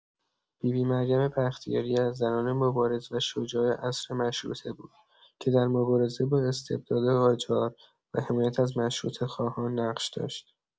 بی‌بی مریم بختیاری از زنان مبارز و شجاع عصر مشروطه بود که در مبارزه با استبداد قاجار و حمایت از مشروطه‌خواهان نقش داشت.